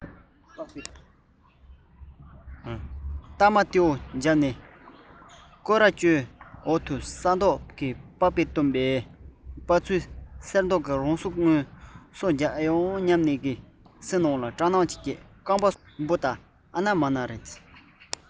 སྟ མ སྟེའུ བརྒྱབ ནས བརྐོས རྭ ཅོའི འོག ཏུ ས མདོག གིས པགས པས བཏུམས པགས པ བཤུས ཚེ གསེར མདོག གི རང གཟུགས མངོན སོ རྒྱག ཨེ འོང སྙམ པའི ཁ འགུལ འགུལ བྱེད ཨེ འོང སྙམ དགོས པའི རྐང ལག གསོན པོ འགྲོ བཞིན པའི འབུ དང ཨ ན མ ན རེད